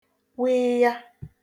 wịịya